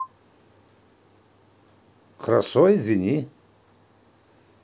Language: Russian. хорошо извини